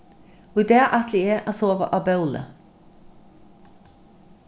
í dag ætli eg at sova á bóli